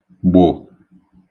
gbụ̀